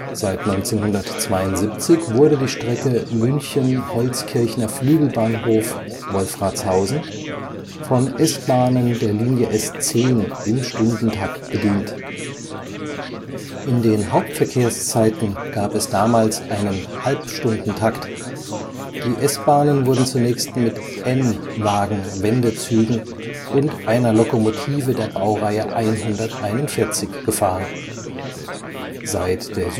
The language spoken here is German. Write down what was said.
Seit 1972 wurde die Strecke München Holzkirchner Flügelbahnhof – Wolfratshausen von S-Bahnen der Linie S10 im Stundentakt bedient. In den Hauptverkehrszeiten gab es damals einen Halbstundentakt, die S-Bahnen wurden zunächst mit n-Wagen-Wendezügen und einer Lokomotive der Baureihe 141 gefahren. Seit der